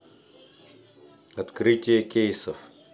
открытие кейсов